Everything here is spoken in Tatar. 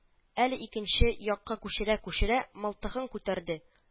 Әле икенче якка күчерә-күчерә, мылтыгын күтәрде